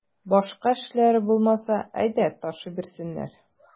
Башка эшләре булмаса, әйдә ташый бирсеннәр.